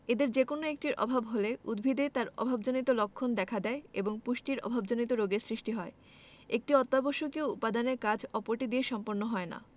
এদের যেকোনো একটির অভাব হলে উদ্ভিদে তার অভাবজনিত লক্ষণ deficiency symptoms দেখা দেয় এবং পুষ্টির অভাবজনিত রোগের সৃষ্টি হয় একটি অত্যাবশ্যকীয় উপাদানের কাজ অপরটি দিয়ে সম্পন্ন হয় না